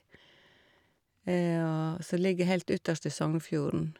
Ja, som ligger heilt ytterst i Sognefjorden.